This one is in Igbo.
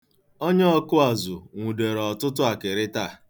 Onye ọkụazụ nwụdere ọtụtụ akịrị taa.